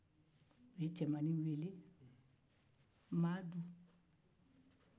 u ye cɛmannin weele madu